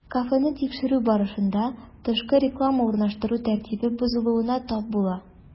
Кафены тикшерү барышында, тышкы реклама урнаштыру тәртибе бозылуына тап була.